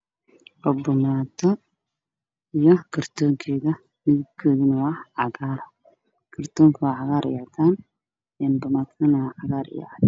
Waa daawada ilkaha la marsado oo lagu cadaydo waxay ku jiraan gal ayaa ag yaalo